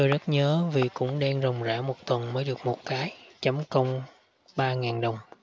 rất nhớ vì cũng đan ròng rã một tuần mới được một cái chấm công ba ngàn đồng